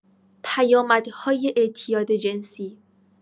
پیامدهای اعتیاد جنسی